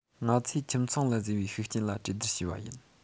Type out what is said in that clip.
ང ཚོས ཁྱིམ ཚང ལ བཟོས པའི ཤུགས རྐྱེན ལ གྲོས སྡུར བྱས པ ཡིན